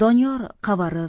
doniyor qavarib